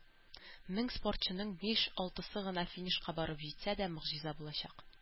Мең спортчының биш-алтысы гына финишка барып җитсә дә, могҗиза булачак.